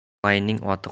o'gayning oti qursin